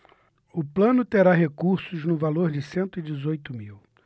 o plano terá recursos no valor de cento e dezoito mil